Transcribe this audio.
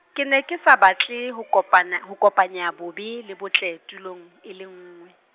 ke ne ke sa batle ho kopana, ho kopanya bobe le botle, tulong e le nngwe.